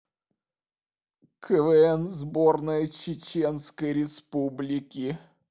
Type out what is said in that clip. квн сборная чеченской республики